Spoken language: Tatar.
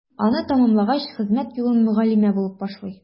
Аны тәмамлагач, хезмәт юлын мөгаллимә булып башлый.